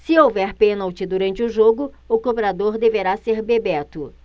se houver pênalti durante o jogo o cobrador deverá ser bebeto